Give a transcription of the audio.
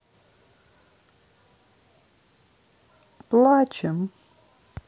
плачем